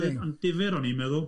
Mae o'n difyr o'n i'n meddwl.